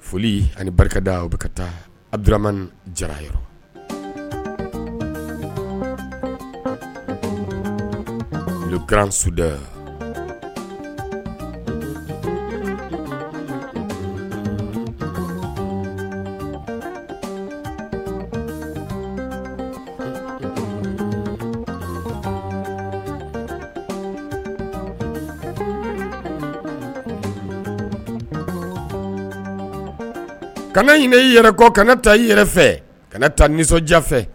Foli ani barikada u bɛ ka taadu jara yɔrɔ garanransda kana ɲin i yɛrɛ kɔ kana taa i yɛrɛ fɛ ka taa nisɔndiyafɛ